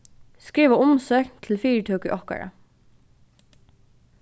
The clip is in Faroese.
skriva umsókn til fyritøku okkara